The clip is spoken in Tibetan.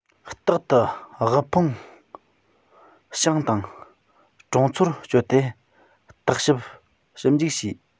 རྟག ཏུ དབུལ ཕོངས ཞང དང གྲོང ཚོར བསྐྱོད དེ བརྟག དཔྱད ཞིབ འཇུག བྱས